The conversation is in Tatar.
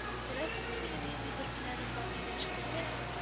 Күрәсеңме, минем нинди зур һөнәрем бар, дигән шикелле